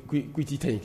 Ko ko tɛ tɛ yen ten